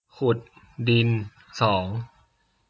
ขุดดินสอง